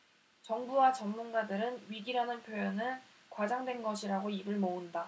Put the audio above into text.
정부와 전문가들은 위기라는 표현은 과장된 것이라고 입을 모은다